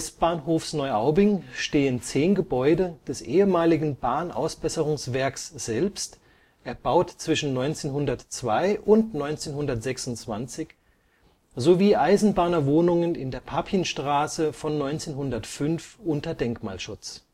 S-Bahnhofs Neuaubing stehen zehn Gebäude des ehemaligen Bahnausbesserungswerks selbst, erbaut zwischen 1902 und 1926, sowie Eisenbahner-Wohnungen in der Papinstraße von 1905 unter Denkmalschutz